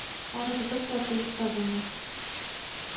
Алар барысы да безнең поезддан төштеләр.